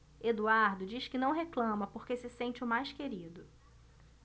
eduardo diz que não reclama porque se sente o mais querido